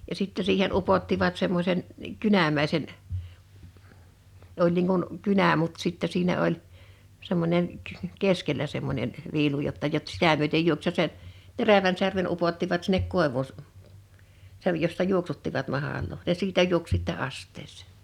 ja sitten siihen upottivat semmoisen kynämäisen oli niin kuin kynä mutta sitten siinä oli semmoinen keskellä semmoinen viilu jotta jotta sitä myöten juoksi se se terävän särmän upottivat sinne koivuun - sen jossa juoksuttivat mahlaa ja siitä juoksi sitten astiaan